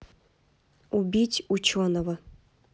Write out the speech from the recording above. убить ученого